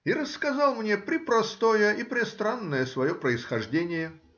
И рассказал мне препростое и престранное свое происхождение.